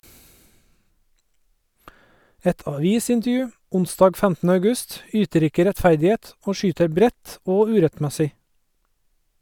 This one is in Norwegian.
Et avisintervju (onsdag 15. august) yter ikke rettferdighet og skyter bredt og urettmessig.